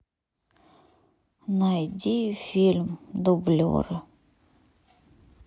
найди фильм дублеры